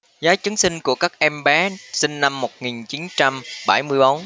giấy chứng sinh của các em bé sinh năm một nghìn chín trăm bảy mươi bốn